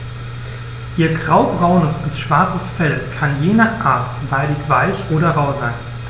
Ihr graubraunes bis schwarzes Fell kann je nach Art seidig-weich oder rau sein.